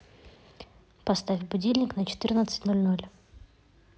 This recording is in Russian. поставь будильник на четырнадцать ноль ноль